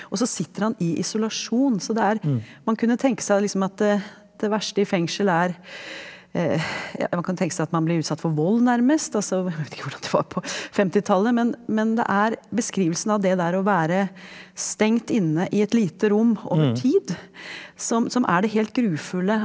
også sitter han i isolasjon, så det er man kunne tenke seg liksom at det det verste i fengsel er ja man kan tenke seg at man blir utsatt for vold nærmest, altså jeg vet ikke hvordan det var på femtitallet, men men det er beskrivelsen av det der og være stengt inne i et lite rom over tid som som er det helt grufulle.